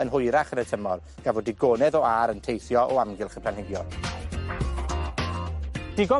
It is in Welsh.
Yn hwyrach yn y tymor, gan fo' digonedd o a'r yn teithio o amgylch y planhigion. Digon